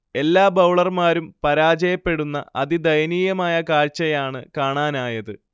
എല്ലാ ബൗളർമാരും പരാജയപ്പെടുന്ന അതിദയനീയമായ കാഴ്ചയാണ് കാണാനായത്